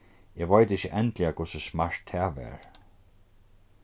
eg veit ikki endiliga hvussu smart tað var